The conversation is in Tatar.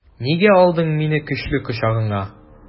Нигә алдың мине көчле кочагыңа?